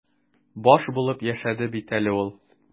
Баш булып яшәде бит әле ул.